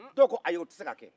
dɔw ko ayi o se ka kɛ